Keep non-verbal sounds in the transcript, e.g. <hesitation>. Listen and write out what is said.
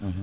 <hesitation> <hesitation>